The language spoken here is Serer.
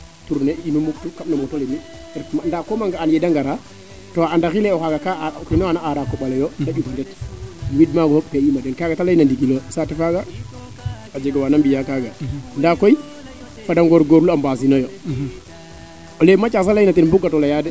tourner inu muktu kaɓno moto lemi ret ma ndax comme a nga aan yeexe ngara to anda xile o xaaga kaa aara o kiinon xa na aara koɓale yo de ƴufa ndet wid maaga fop ga'iima den kaaga te ley na ndingilo sate faaga a jega waana mbiya kaaga ndaa koy fada ngorgoorlu a mbaasino yo ole Mathias a leyna ten bukato leyaa de